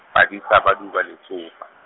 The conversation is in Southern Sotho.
badisa ba duba letsopa.